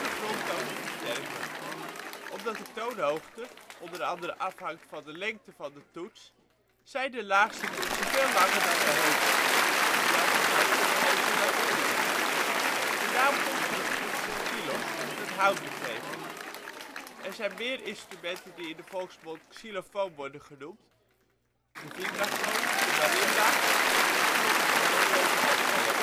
grondtoon te versterken. Omdat de toonhoogte (onder andere) afhangt van de lengte van de toets zijn de laagste toetsen veel langer dan de hoogste (hetzelfde geldt voor de resonatoren) De naam komt van het griekse xylos, dat ' hout ' betekent. Er zijn meer instrumenten die in de volksmond ' xylofoon ' worden genoemd: Vibrafoon Marimba Glockenspiel of Metallofoon